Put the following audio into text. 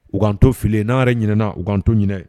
U kanto fili n'are ɲinɛna u kanto ɲinin